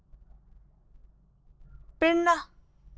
དཔེར ན